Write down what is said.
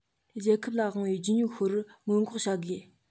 རྒྱལ ཁབ ལ དབང བའི རྒྱུ ནོར ཤོར བར སྔོན འགོག བྱ དགོས